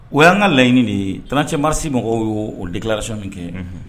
O y'an ka layiɲini de t cɛmasi mɔgɔw ye o dekilasi min kɛ